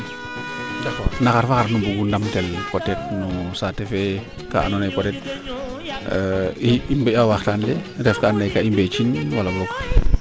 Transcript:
d' accord no xar fo xar nu mbugu ndam tel no saate ka ando naye peut etre i mbuya waxtaan le te ref ka ondo naye ka i mbeecin wala boog